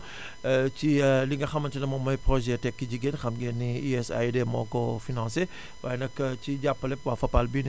ci li nga xamante ne moom mooy projet tekki jigéen xam ngeen ni USAID moo ko financé waaye nag ci jàppalep waa Fapal bii nii